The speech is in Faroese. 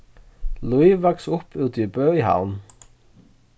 lív vaks upp úti í bø í havn